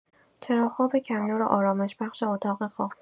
چراغ‌خواب کم‌نور و آرامش‌بخش اتاق‌خواب